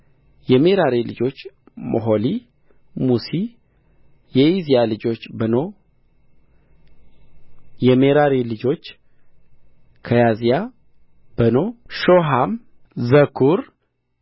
የሜራሪ ልጆች ሞሖሊ ሙሲ ከያዝያ ልጅ በኖ የሜራሪ ልጆች ከያዝያ በኖ ሾሃም ዘኩር